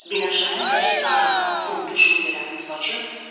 binafsharang dashtlikka so'nggi shu'lalarini sochib